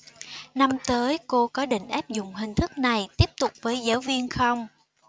năm tới cô có định áp dụng hình thức này tiếp tục với giáo viên không